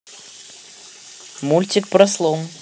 мультик про слон